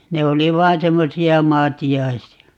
ne oli vain semmoisia maatiaisia